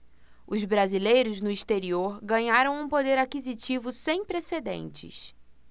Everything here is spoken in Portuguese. os brasileiros no exterior ganharam um poder aquisitivo sem precedentes